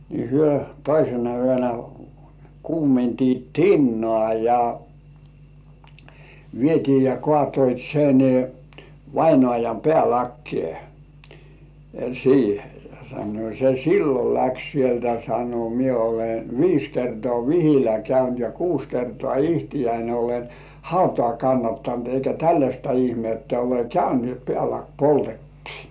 niin he toisena yönä kuumensivat tinaa ja vietiin ja kaatoivat sen vainajan päälakeen siihen ja sanoivat se silloin lähti sieltä sanoi minä olen viisi kertaa vihillä käynyt ja kuusi kertaa itseäni olen hautaan kannattanut eikä tällaista ihmettä ole käynyt niin jotta päälaki poltettiin